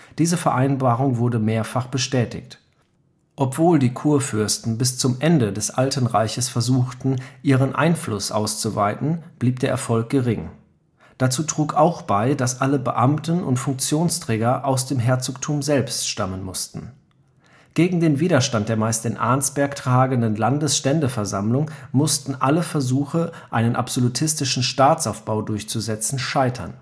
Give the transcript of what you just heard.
Diese Vereinbarung wurde mehrfach bestätigt. Obwohl die Kurfürsten bis zum Ende des Alten Reiches versuchten, ihren Einfluss auszuweiten, blieb der Erfolg gering. Dazu trug auch bei, dass alle Beamten und Funktionsträger aus dem Herzogtum selbst stammen mussten. Gegen den Widerstand der meist in Arnsberg tagenden Landständeversammlung mussten alle Versuche, einen absolutistischen Staatsaufbau durchzusetzen, scheitern